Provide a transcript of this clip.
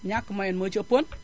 ñakk moyen moo ci ëppoon